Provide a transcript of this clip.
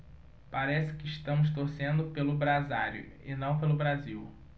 parece que estamos torcendo pelo brasário e não pelo brasil